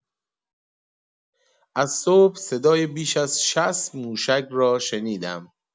از صبح صدای بیش از ۶۰ موشک را شنیده‌ام.